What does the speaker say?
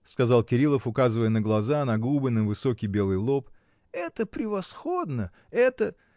— сказал Кирилов, указывая на глаза, на губы, на высокий белый лоб. — Это превосходно, это.